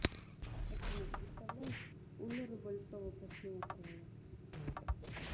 афина представляешь у леры большова после укола